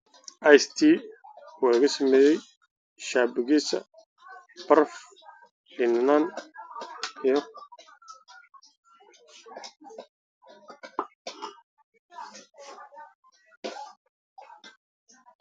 Waa koob ku jiro cabitaan guduud